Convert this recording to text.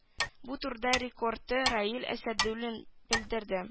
Бу турыда ректоры раил әсәдуллин белдерде